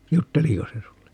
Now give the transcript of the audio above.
jutteliko se sinulle